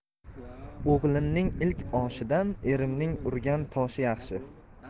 o'g'limning ilik oshidan erimning urgan toshi yaxshi